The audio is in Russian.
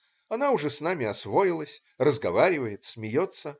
Она уже с нами освоилась, разговаривает, смеется.